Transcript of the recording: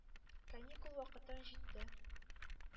”каникул вакытың җитте.